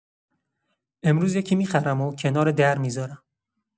امروز یکی می‌خرم و کنار در می‌ذارم.